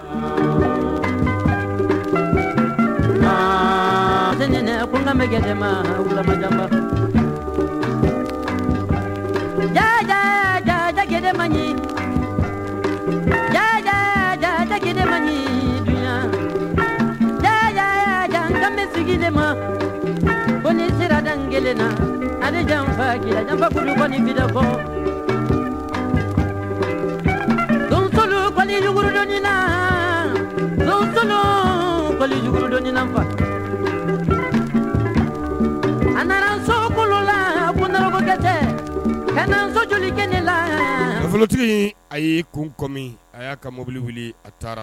Maja jaja jajagɛn man ɲi ja jajɛ man ɲiyan ja jasigi ma ko siradakelen la ani janfaja donso jugudɔn la donsojdɔnfa a nana so kolo la kundakɛ cɛ kɛnɛyasoj kɛ la nafolotigi a ye kunkomi a y'a ka mobili wuli a taara